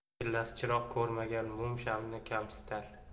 chillasi chiroq ko'rmagan mum shamni kamsitar